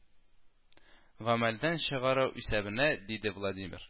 Гамәлдән чыгару исәбенә, диде владимир